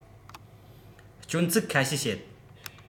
སྐྱོན ཚིག ཁ ཤས བཤད